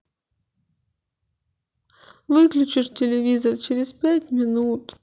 выключишь телевизор через пять минут